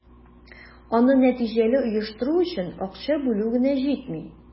Аны нәтиҗәле оештыру өчен акча бүлү генә җитми.